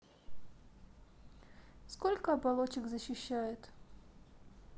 сколько оболочек защищает